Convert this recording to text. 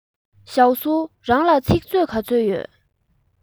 ཞའོ སུའུ རང ལ ཚིག མཛོད ག ཚོད ཡོད